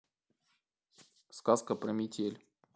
сказка про метель